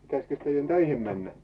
pitäisikös teidän töihin mennä